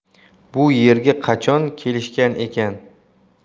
bu yerga qachon kelishgan ekan